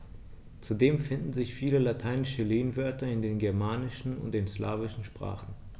Zudem finden sich viele lateinische Lehnwörter in den germanischen und den slawischen Sprachen.